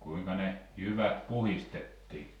kuinka ne jyvät puhdistettiin